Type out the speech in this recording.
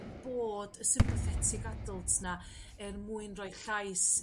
yn bod y sympathetic adult 'na er mwyn roi llais